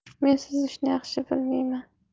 men suzishni yaxshi bilmayman